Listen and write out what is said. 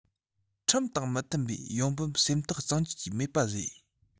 ཁྲིམས དང མི མཐུན པའི ཡོང འབབ སེམས ཐག གཙང བཅད ཀྱིས མེད པ བཟོས